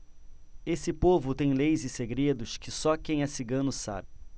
esse povo tem leis e segredos que só quem é cigano sabe